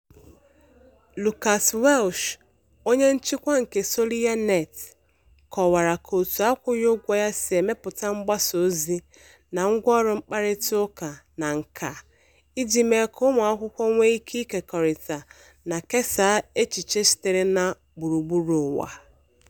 - Lucas Welsh, Onye Nchịkwa nke Soliya.net, kọwara ka òtù akwụghị ụgwọ ya si emepụta mgbasaozi na ngwaọrụ mkparịtaụka na nkà iji mee ka ụmụakwụkwọ nwee ike ịkekọrịta na kesaa echiche sitere na gburugburu ụwa.